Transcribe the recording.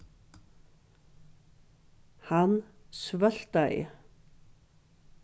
hann svøltaði